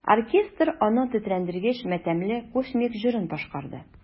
Оркестр аның тетрәндергеч матәмле космик җырын башкарды.